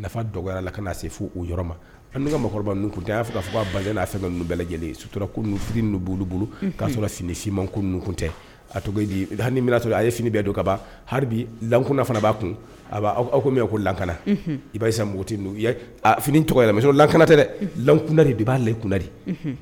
Dɔgɔyara la se fo kakɔrɔba ninnu tun tɛ y'a fɔ' ban n'a fɛn bɛɛ lajɛlen suturaf b' olu bolo k' sɔrɔ sini siman kounkun tɛ a di sɔrɔ a ye sini bɛɛ don ka ban lakkun fana b'a kun ko lankana i ba sa moti fini tɔgɔ lakanatɛ lakkunda de b'a lakundadi